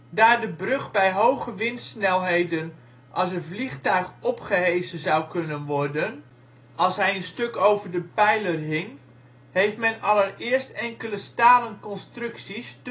Daar de brug bij hoge windsnelheden als een vliegtuig opgehesen zou kunnen worden als hij een stuk over een pijler hing, heeft men allereerst enkele stalen constructies